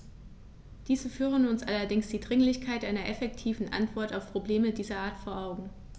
Diese führen uns allerdings die Dringlichkeit einer effektiven Antwort auf Probleme dieser Art vor Augen.